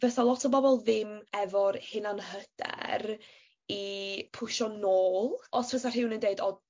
fysa lot o bobol ddim efo'r hunan hyder i pwsio nôl os fysa rhywun yn deud o